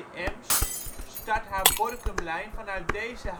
Ems start haar Borkumlijn vanuit deze